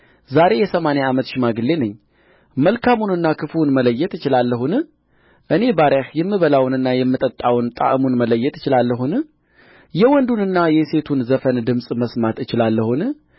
ዛሬ የሰማንያ ዓመት ሽማግሌ ነኝ መልካሙንና ክፉውን መለየት እችላለሁን እኔ ባሪያህ የምበላውንና የምጠጣውን ጣዕሙን መለየት እችላለሁን የወንዱንና የሴቲቱን ዘፈን ድምፅ መስማት እችላለሁን